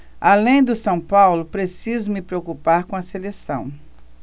além do são paulo preciso me preocupar com a seleção